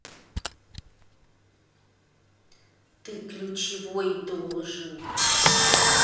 ты ключевой должен